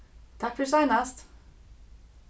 takk fyri seinast